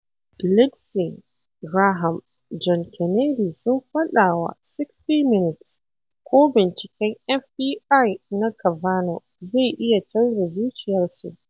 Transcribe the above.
Lindsey Graham, John Kennedy sun faɗa wa "60 Minutes" ko binciken FBI na Kavanaugh zai iya canza zuciyarsu.